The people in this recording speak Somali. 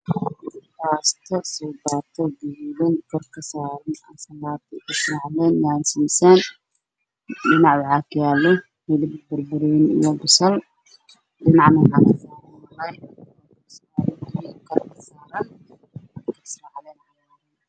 Meeshaan waxaa yaalo saxanay ku jiraan cuno faro badan sida jabbati burbunooni iyo malay